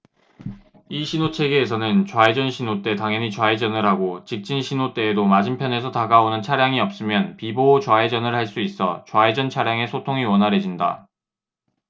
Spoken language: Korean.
이 신호체계에서는 좌회전 신호 때 당연히 좌회전을 하고 직진 신호 때에도 맞은편에서 다가오는 차량이 없으면 비보호 좌회전을 할 수 있어 좌회전 차량의 소통이 원활해진다